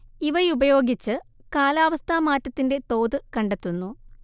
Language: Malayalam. ഇവയുപയോഗിച്ച് കാലാവസ്ഥാ മാറ്റത്തിന്റെ തോത് കണ്ടെത്തുന്നു